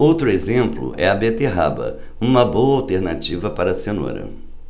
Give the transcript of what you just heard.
outro exemplo é a beterraba uma boa alternativa para a cenoura